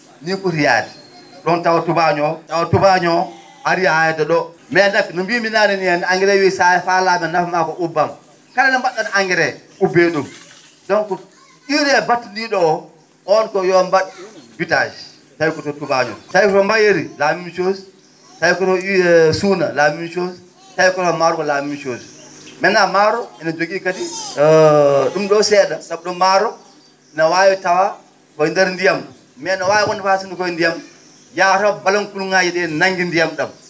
ni foti yahrude ?on tawa tubaañoo o tawa tubaañoo o arii haa hedde ?o mais nak no mbiimi naane nii henna engrais ji so a faalaa ko nafmaa ko ubban kala nde mba??on engrais ubbee ?um donc UREE batindii?o oo oon ko yo mbat ?um bitage tawi koto tubaañoo tawi koto mbayeeri la méme chose tawi koto UREE suuna la méme chose tawi koto maaro la méme chose maintenant maaro ene jogii kadi ?um ?o see?a sabu ?um maaro no waawi tawa ko he ndeer ndiyam mais no waawi wonde ay sinno koye ndiyam yataw balankulu?aaje ?ee nanngi ndiyam ?am